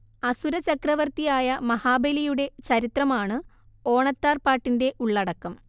അസുര ചക്രവർത്തിയായ മഹാബലിയുടെ ചരിത്രമാണ്‌ ഓണത്താർ പാട്ടിന്റെ ഉള്ളടക്കം